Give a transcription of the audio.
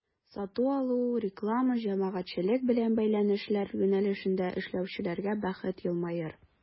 Сату-алу, реклама, җәмәгатьчелек белән бәйләнешләр юнәлешендә эшләүчеләргә бәхет елмаер.